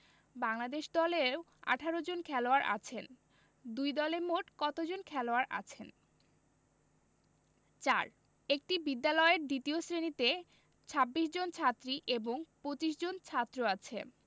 বাংলাদেশ দলেও ১৮ জন খেলোয়াড় আছেন দুই দলে মোট কতজন খেলোয়াড় আছেন ৪ একটি বিদ্যালয়ের দ্বিতীয় শ্রেণিতে ২৬ জন ছাত্রী ও ২৫ জন ছাত্র আছে